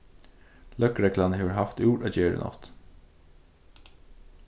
løgreglan hevur havt úr at gera í nátt